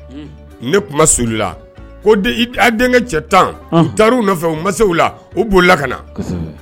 Ne kuma a denkɛ cɛ tan taari u nɔfɛ u ma la u b' la ka na